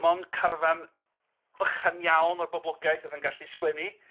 'Mond carfan fychan iawn o'r boblogaeth oedd yn gallu sgwennu.